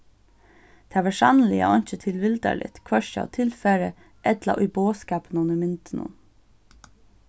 tað var sanniliga einki tilvildarligt hvørki av tilfari ella í boðskapinum í myndunum